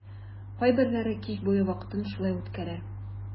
Кайберләре кич буе вакытын шулай үткәрә.